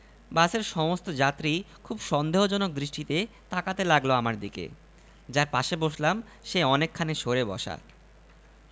এক সময় এদের পিপাসা পেয়ে গেল চারজনের জন্যে চারটি কাঠি আইসক্রিম কেনা হল যে অস্বস্তিকর পরিস্থিতির কথা শুরুতে বলেছি সেটা শুরু হল তখন